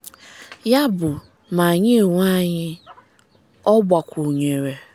Yabụ ma anyị onwe anyị,” ọ gbakwunyere.